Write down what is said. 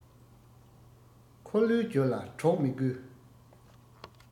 འཁོར ལོས བསྒྱུར ལ གྲོགས མི དགོས